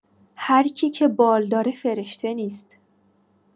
هرکی که بالداره فرشته نیست!